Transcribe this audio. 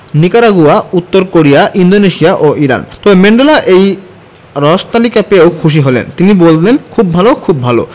Nicaragua উত্তর Korea Indonesia ও Iran তবে ম্যান্ডেলা এই হ্রস্ব তালিকা পেয়েও খুশি হলেন তিনি বললেন খুব ভালো খুব ভালো